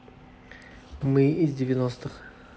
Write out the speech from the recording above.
мы из девяностых